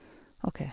OK.